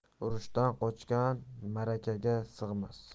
urushdan qochgan ma'rakaga sig'mas